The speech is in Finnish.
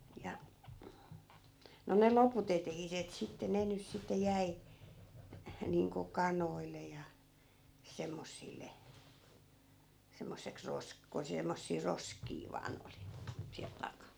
ja no ne loput eteiset sitten ne nyt sitten jäi niin kuin kanoille ja semmoisille semmoiseksi - kun semmoisia roskia vain oli siellä takana